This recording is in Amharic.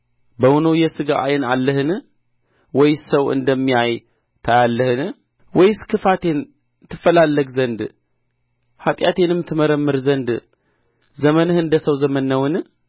በውኑ የሥጋ ዓይን አለህን ወይስ ሰው እንደሚያይ ታያለህን ወይስ ክፋቴን ትፈላለግ ዘንድ ኃጢአቴንም ትመረምር ዘንድ ዘመንህ እንደ ሰው ዘመን ነውን